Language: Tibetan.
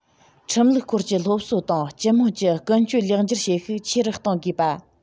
ཁྲིམས ལུགས སྐོར གྱི སློབ གསོ དང སྤྱི དམངས ཀྱི ཀུན སྤྱོད ལེགས འགྱུར བྱེད ཤུགས ཆེ རུ གཏོང དགོས པ